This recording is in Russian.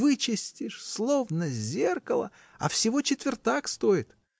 вычистишь, словно зеркало, а всего четвертак стоит.